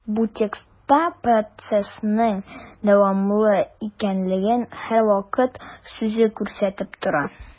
Бу текстта процессның дәвамлы икәнлеген «һәрвакыт» сүзе күрсәтеп тора.